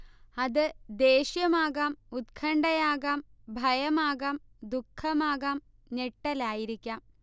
അത് ദേഷ്യമാകാം ഉത്കണ്ഠയാകാം ഭയമാകാം ദുഃഖമാകാം ഞെട്ടലായിരിക്കാം